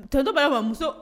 Tonton Bala mɔmuso